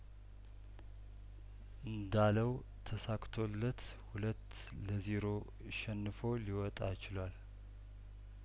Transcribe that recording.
እንዳለው ተሳክቶለት ሁለት ለዜሮ እሸንፎ ሊወጣችሏል